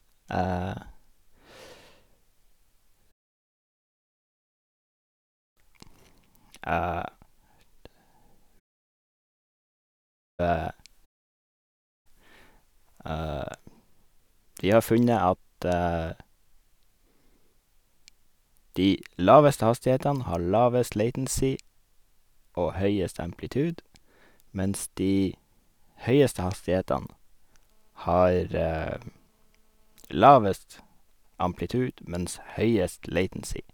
Vi har funnet at de laveste hastighetene har lavest latency og høyest amplitude, mens de høyeste hastighetene har lavest amplitude mens høyest latency.